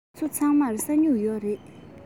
ཁྱེད ཚོ ཚང མར ས སྨྱུག ཡོད རེད